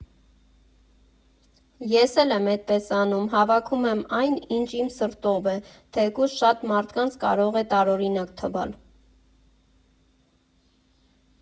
Ես էլ եմ էդպես անում, հավաքում եմ այն, ինչ իմ սրտով է, թեկուզ շատ մարդկանց կարող է տարօրինակ թվալ։